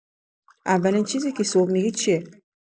اولین چیزی که صبح می‌گی چیه؟